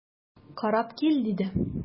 Карап кил,– диде.